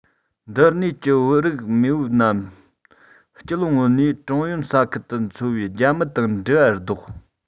འདིར གནས ཀྱི བོད རིགས མེས པོ རྣམས སྤྱི ལོ སྔོན ནས ཀྲུང ཡོན ས ཁུལ དུ འཚོ བའི རྒྱ མི དང འབྲེལ བ བདོག